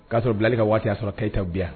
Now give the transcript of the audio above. K'a sɔrɔ bilali ka waati y'a sɔrɔ'yita diya yan